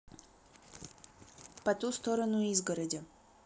по ту сторону изгороди